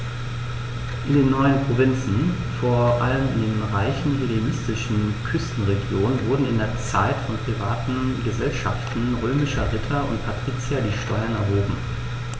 In den neuen Provinzen, vor allem in den reichen hellenistischen Küstenregionen, wurden in dieser Zeit von privaten „Gesellschaften“ römischer Ritter und Patrizier die Steuern erhoben.